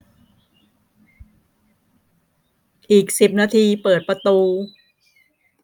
อีกสิบนาทีเปิดประตู